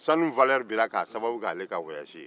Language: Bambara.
sanu sɔngɔ binna k'a sababu kɛ ale ka wɔyasi ye